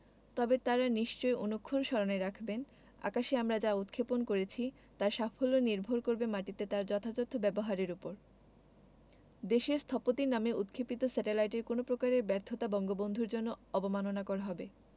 তবে তাঁরা নিশ্চয় অনুক্ষণ স্মরণে রাখবেন আকাশে আমরা যা উৎক্ষেপণ করেছি তার সাফল্য নির্ভর করবে মাটিতে তার যথাযথ ব্যবহারের ওপর দেশের স্থপতির নামে উৎক্ষেপিত স্যাটেলাইটের কোনো প্রকারের ব্যর্থতা বঙ্গবন্ধুর জন্য অবমাননাকর হবে